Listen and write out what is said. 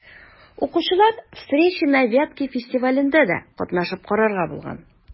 Укучылар «Встречи на Вятке» фестивалендә дә катнашып карарга булган.